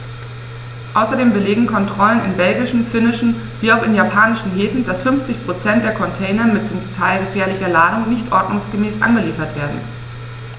Außerdem belegen Kontrollen in belgischen, finnischen wie auch in japanischen Häfen, dass 50 % der Container mit zum Teil gefährlicher Ladung nicht ordnungsgemäß angeliefert werden.